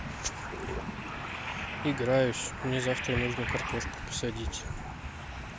играюсь мне завтра нужно картошку посадить